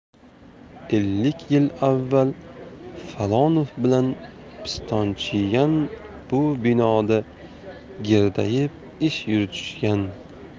ellik yil avval falonov bilan pistonchiyan bu binoda gerdayib ish yuritishgan